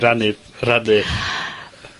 ...rannu, rhannu.